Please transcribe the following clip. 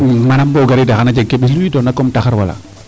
Manaam bo o gariida xana jeg ke ɓisluwiidoona comme taxar wala?